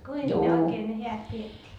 kuinka ne oikein ne häät pidettiin